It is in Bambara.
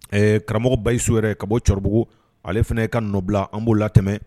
Ɛɛ karamɔgɔ bayisu yɛrɛ ka bɔ Cɔribugu . Ale fɛnɛ ka nɔbila an bo latɛmɛ.